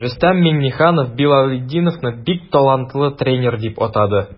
Рөстәм Миңнеханов Билалетдиновны бик талантлы тренер дип атады.